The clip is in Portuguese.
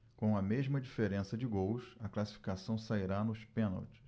com a mesma diferença de gols a classificação sairá nos pênaltis